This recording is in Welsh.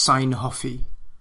sai'n hoffi.